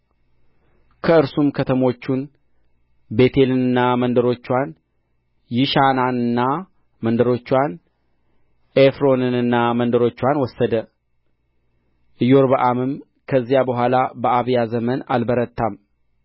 ከእርሱም ከተሞቹን ቤቴልንና መንደሮችዋን ይሻናንና መንደሮችዋን ዔፍሮንንና መንደሮችዋን ወሰደ ኢዮርብዓምም ከዚያ በኋላ በአብያ ዘመን አልበረታም